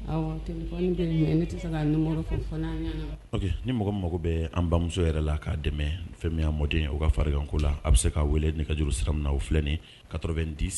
Ni mɔgɔ mago bɛ an bamuso yɛrɛ la k'a dɛmɛ fɛn minya mɔden ye u ka fari ko la a bɛ se k' weele n' ka juru sira minna u filɛ kaoro bɛ disa